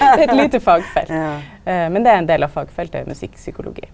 eit lite fagfelt, men det er ein del av fagfeltet er musikkpsykologi.